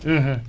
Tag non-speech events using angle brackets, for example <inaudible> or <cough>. <hesitation> <hesitation>